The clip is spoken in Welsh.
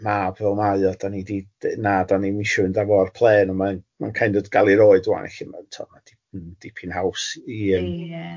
mab fel mae o dan ni di na dan ni'm isio fynd a fo ar plen, ond mae'n mae'n kind of gal ei roid ŵan felly mae'n tibod ma dipyn dipyn haws i yym... Ie.